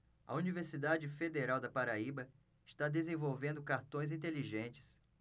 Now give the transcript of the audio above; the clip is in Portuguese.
a universidade federal da paraíba está desenvolvendo cartões inteligentes